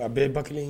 A bɛɛ ye ba kelen ye